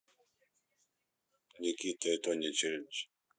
никита и тоня челлендж